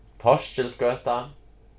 torkilsgøta